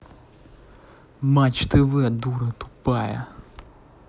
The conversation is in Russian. матч тв дура тупая